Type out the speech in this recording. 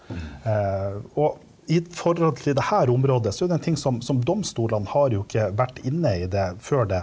og i forhold til det her området så er det en ting som som domstolene har jo ikke vært inne i det før det.